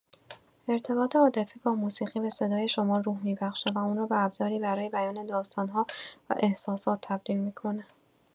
ارتباط عاطفی با موسیقی به صدای شما روح می‌بخشه و اون رو به ابزاری برای بیان داستان‌ها و احساسات تبدیل می‌کنه.